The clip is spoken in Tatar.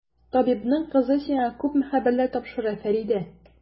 Табибның кызы сиңа күпме хәбәрләр тапшыра, Фәридә!